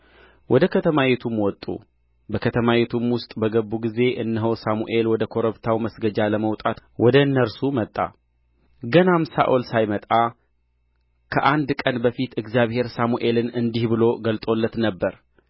ወደ ከተማይቱም ወጡ በከተማይቱም ውስጥ በገቡ ጊዜ እነሆ ሳሙኤል ወደ ኮረብታው መስገጃ ለመውጣት ወደ እነርሱ መጣ ገናም ሳኦል ሳይመጣ ከአንድ ቀን በፊት እግዚአብሔር ሳሙኤልን እንዲህ ብሎ ገልጦለት ነበር